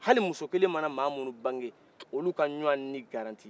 hali muso kelen mana maa minnu bange olu ka ɲɔgɔn ni garanti